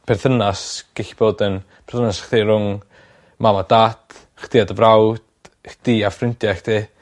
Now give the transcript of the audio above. perthynas gellu bod yn prthynas chdi rhwng mam a dat, chdi a dy frawd, chdi a ffrindiau chdi.